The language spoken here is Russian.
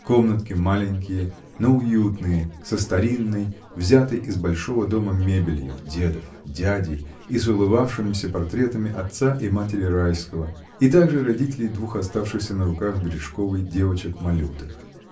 Комнатки маленькие, но уютные, с старинной, взятой из большого дома мебелью дедов, дядей, и с улыбавшимися портретами отца и матери Райского, и также родителей двух оставшихся на руках у Бережковой девочек-малюток.